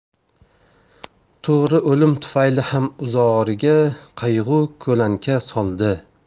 to'g'ri o'lim tufayli ham uzoriga qayg'u ko'lanka soldi